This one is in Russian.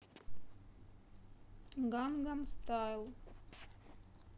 гангам стайл